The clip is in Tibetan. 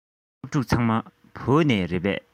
སློབ ཕྲུག ཚང མ བོད ལྗོངས ནས རེད པས